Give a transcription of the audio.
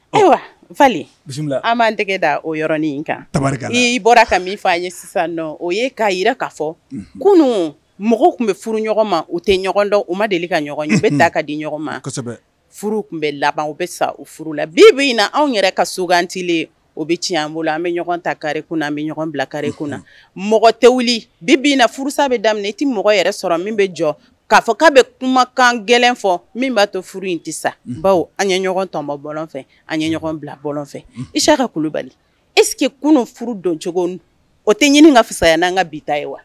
Ayiwa falen an b'an dɛ d da oɔrɔnin kan bɔra ka min fɔ an ye sisan o ye k'a jira k'a fɔ kunun mɔgɔ tun bɛ furu ɲɔgɔn ma u tɛ ɲɔgɔn dɔn u ma deli ka ɲɔgɔn u bɛ taa ka di ɲɔgɔn ma furu tun bɛ laban u bɛ sa u furu la bi bi anw yɛrɛ ka souganti o bɛ ci an bolo la an bɛ ɲɔgɔn ta kari kun an bɛ ɲɔgɔn bila kari kun mɔgɔ tɛ wuli bi na furusa bɛ daminɛ i tɛ mɔgɔ yɛrɛ sɔrɔ min bɛ jɔ k'a fɔ k'a bɛ kumakan gɛlɛn fɔ min b'a to furu in tɛ sa baw an ye ɲɔgɔn tɔma bɔlɔn fɛ an ɲɔgɔn bila bɔlɔn fɛ i ka kulubali e que kunun furu dɔn cogo o tɛ ɲini ka fisa yan n'an ka bi ta ye wa